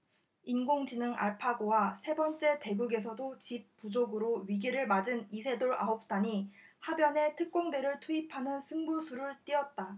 인공지능 알파고와 세 번째 대국에서도 집 부족으로 위기를 맞은 이세돌 아홉 단이 하변에 특공대를 투입하는 승부수를 띄웠다